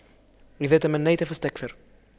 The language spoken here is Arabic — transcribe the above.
إذا تمنيت فاستكثر